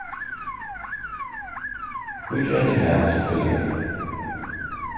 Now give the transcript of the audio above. hví gera tit mat so tíðliga